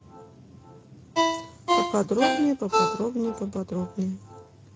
поподробнее поподробнее поподробнее